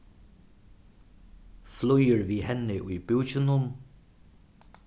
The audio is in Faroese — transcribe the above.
flýgur við henni í búkinum